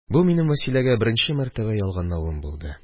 Бу минем Вәсиләгә беренче мәртәбә ялганлавым булды